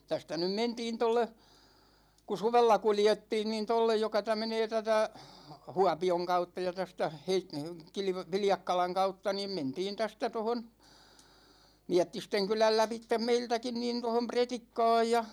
tästä nyt mentiin tuolle kun suvella kuljettiin niin tuolle joka - menee tätä Huopion kautta ja tästä -- Viljakkalan kautta niin mentiin tästä tuohon Miettistenkylän lävitse meiltäkin niin tuohon Pretikkaan ja